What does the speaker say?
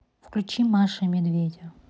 включить маша и медведя